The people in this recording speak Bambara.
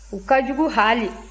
u ka jugu haali